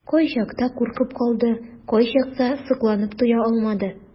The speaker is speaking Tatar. Кайчакта куркып калды, кайчакта сокланып туя алмады.